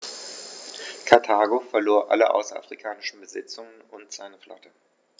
Karthago verlor alle außerafrikanischen Besitzungen und seine Flotte.